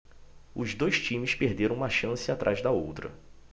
os dois times perderam uma chance atrás da outra